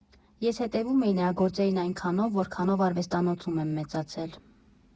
Ես հետևում էի նրա գործերին այնքանով, որքանով արվեստանոցում եմ մեծացել։